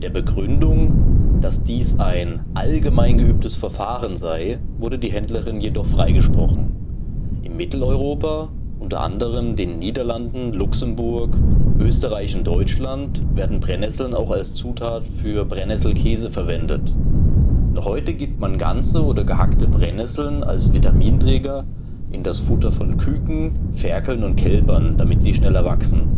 Begründung, dass dies ein „ allgemein geübtes Verfahren “sei, wurde die Händlerin jedoch freigesprochen. In Mitteleuropa, unter anderem den Niederlanden, Luxemburg, Österreich und Deutschland, werden Brennnesseln auch als Zutat für Brennnesselkäse verwendet. Noch heute gibt man ganze oder gehackte Brennnesseln als Vitaminträger in das Futter von Küken, Ferkeln und Kälbern, damit sie schneller wachsen